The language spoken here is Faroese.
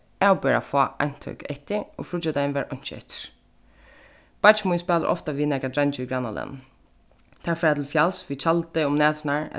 avbera fá eintøk eftir og fríggjadagin var einki eftir beiggi mín spælir ofta við nakrar dreingir í grannalagnum teir fara til fjals við tjaldi um næturnar